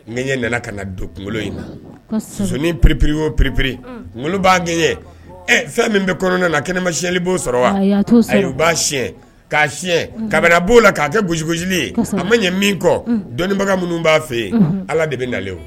N ɲɛ nana ka na don kungo in na sonnin p-p-y oo p-p- b'a kɛ ye ɛ fɛn min bɛ kɔnɔna na kɛnɛ mayɛnli b'o sɔrɔ wa sayi b'a si k'a si kabini b'o la k'a kɛ gosigosi ye a ma ɲɛ min kɔ dɔnniibaga minnu b'a fɛ yen ala de bɛ nalen